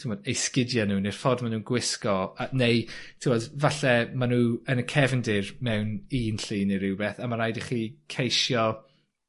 t'mod eu sgidie nw ne'r ffordd ma' nw'n gwisgo a neu t'mod falle ma' nw yn y cefndir mewn un llun neu rywbeth a ma' raid i chi ceisio